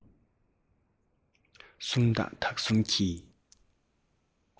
སུམ རྟགས དག གསུམ གྱི